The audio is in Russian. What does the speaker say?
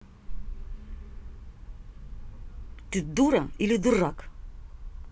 ты дура или дурак